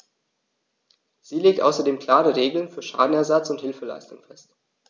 Sie legt außerdem klare Regeln für Schadenersatz und Hilfeleistung fest.